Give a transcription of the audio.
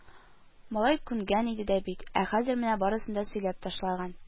Малай күнгән иде дә бит, ә хәзер менә барысын да сөйләп ташлаган